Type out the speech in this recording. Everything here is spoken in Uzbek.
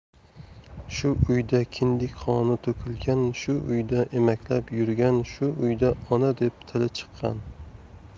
shu uyda kindik qoni to'kilgan shu uyda emaklab yurgan shu uyda ona deb tili chiqqan